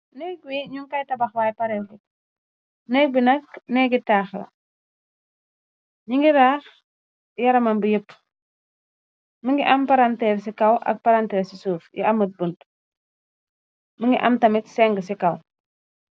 Nekg wi ñu kay tabax waay paraik nekg bi nak neggi taaxla ñi ngi raax yaraman bi yépp mi ngi am paranteer ci kaw ak paranteer ci suuf yi amët bunt mi ngi am tamit seng ci kaw.